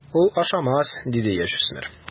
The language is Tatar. Ул ашамас, - диде яшүсмер.